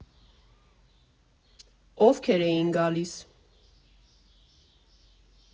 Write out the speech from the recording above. Ովքեր էին գալիս։